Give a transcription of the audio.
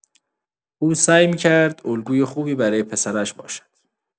او سعی می‌کرد الگوی خوبی برای پسرش باشد.